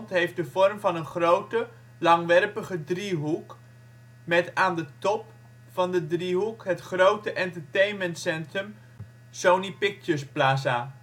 heeft de vorm van een grote, langwerpige driehoek, met aan de top van de driehoek het grote entertainmentcentrum Sony Pictures Plaza